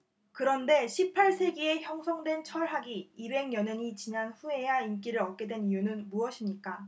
그런데 십 팔 세기에 형성된 철학이 이백 여 년이 지난 후에야 인기를 얻게 된 이유는 무엇입니까